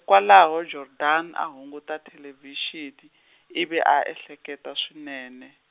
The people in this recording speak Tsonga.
kwalaho Jordaan a hunguta thelevhixini, ivi a ehleketa swinene.